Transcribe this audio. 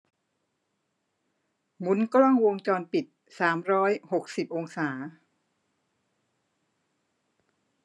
หมุนกล้องวงจรปิดสามร้อยหกสิบองศา